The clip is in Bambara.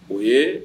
O ye